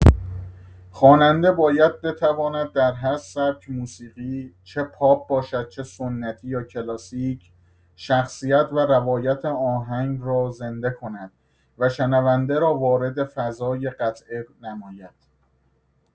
خواننده باید بتواند در هر سبک موسیقی، چه پاپ باشد چه سنتی یا کلاسیک، شخصیت و روایت آهنگ را زنده کند و شنونده را وارد فضای قطعه نماید.